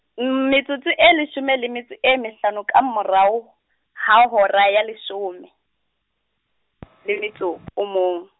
metsotso e leshome le metso e mehlano ka morao, ha hora ya leshome, le metso, o mong.